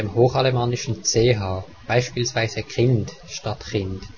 hochalemannischen ch, beispielsweise Khind statt Chind